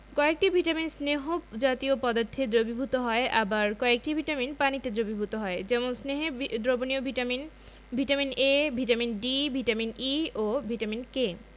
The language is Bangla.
কয়েকটি ভিটামিন স্নেহ জাতীয় পদার্থে দ্রবীভূত হয় আবার কয়েকটি ভিটামিন পানিতে দ্রবীভূত হয় যেমন স্নেহে দ্রবণীয় vitamin vitamin A vitamin D vitamin E ও ভিটামিন K